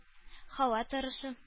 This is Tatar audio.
Һава торышы